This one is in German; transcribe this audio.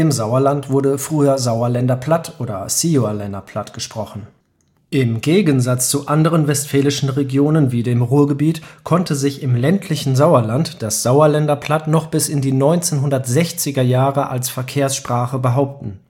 Sauerland wurde früher Sauerländer Platt oder Siuerlänner Platt gesprochen. Im Gegensatz zu anderen westfälischen Regionen wie dem Ruhrgebiet konnte sich im ländlichen Sauerland das Sauerländer Platt noch bis in die 1960er Jahre als Verkehrssprache behaupten